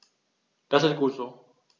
Das ist gut so.